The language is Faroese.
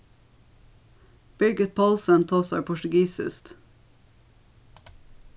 birgit poulsen tosar portugisiskt